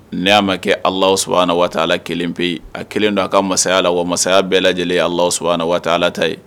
N'a ma kɛ allah wa allah kelen pe a kelen dɔrɔn a kelen don a ka masaya la ,wa masaya bɛɛ lajɛlen allahu subahana ta ye